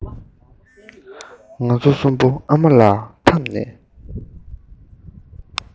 ང ཚོ གསུམ པོ ཨ མ ལ འཐམས ནས